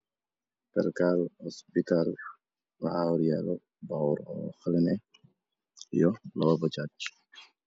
Kalkaal hospital waxaa horyaalo baabuur oo qalin ah iyo labo bajaaj